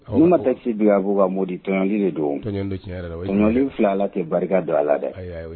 Ni ma tɛsi don a b'u ka mɔdi tɔli de don fila ala tɛ barika don a la dɛ